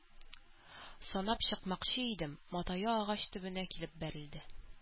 Санап чыкмакчы иде, матае агач төбенә килеп бәрелде.